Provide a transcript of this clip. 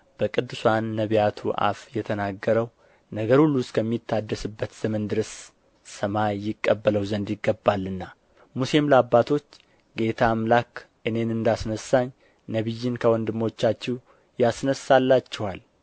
በቅዱሳን ነቢያቱ አፍ የተናገረው ነገር ሁሉ እስከሚታደስበት ዘመን ድረስ ሰማይ ይቀበለው ዘንድ ይገባልና ሙሴም ለአባቶች ጌታ አምላክ እኔን እንዳስነሣኝ ነቢይን ከወንድሞቻችሁ ያስነሣላችኋል